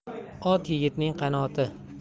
ot yigitning qanoti